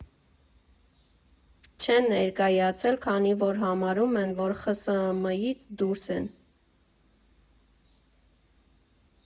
Չեն ներկայացել, քանի որ համարում են, որ ԽՍՀՄ֊֊ից դուրս են։